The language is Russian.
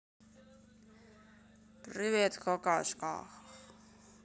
привет какашка